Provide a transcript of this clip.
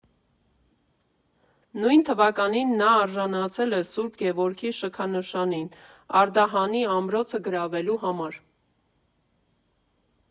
Նույն թվականին նա արժանացել է Սուրբ Գևորգի շքանշանին՝ Արդահանի ամրոցը գրավելու համար։